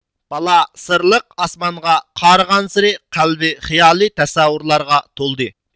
بالا سىرلىق ئاسمانغا قارىغانسېرى قەلبى خىيالىي تەسەۋۋۇرلارغا تولدى